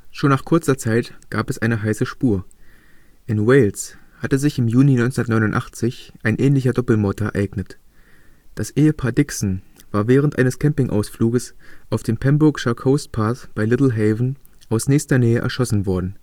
Schon nach kurzer Zeit gab es eine „ heiße Spur “. In Wales hatte sich im Juni 1989 ein ähnlicher Doppelmord ereignet: Das Ehepaar Dixon war während eines Campingausfluges auf dem Pembrokeshire Coast Path bei Littlehaven aus nächster Nähe erschossen worden